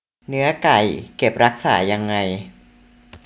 เนื้อไก่เก็บรักษายังไง